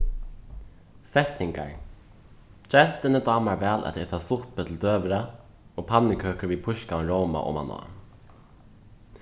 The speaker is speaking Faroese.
setningar gentuni dámar væl at eta suppu til døgurða og pannukøkur við pískaðum róma omaná